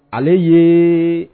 Ale yen